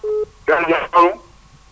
Seydou Ndiaye nakamu